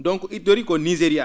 donc idori ko Nigéria